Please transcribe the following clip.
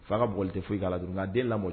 Fo ka bɔ tɛ foyi ka la don n den la